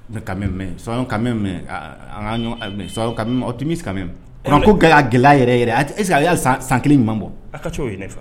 Mais quand meme, mais soyons quand meme optimistes a ko ka gɛlaya yɛrɛ yɛrɛ a tɛ est - ce que hali a bɛ san 1 yɛrɛ bɔ, a ka caa o ye ne fa!